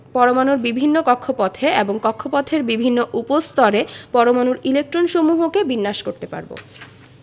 ⦁ পরমাণুর বিভিন্ন কক্ষপথে এবং কক্ষপথের বিভিন্ন উপস্তরে পরমাণুর ইলেকট্রনসমূহকে বিন্যাস করতে পারব